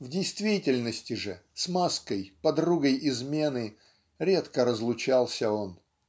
в действительности же с маской, подругой измены, редко разлучался он.